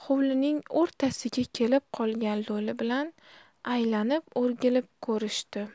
hovlining o'rtasiga kelib qolgan lo'li bilan aylanib o'rgilib ko'rishdi